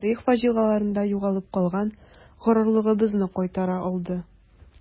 Тарих фаҗигаларында югалып калган горурлыгыбызны кайтара алды.